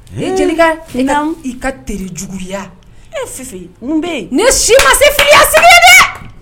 I ka teri juguyaya ne si ma se fiya sigi dɛ